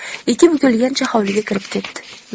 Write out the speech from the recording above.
ikki bukilgancha hovliga kirib ketdi